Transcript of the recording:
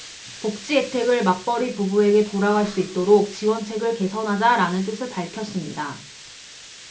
복지혜택을 맞벌이 부부에게 돌아갈 수 있도록 지원책을 개선하자 라는 뜻을 밝혔습니다